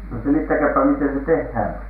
no selittäkääpä miten se tehdään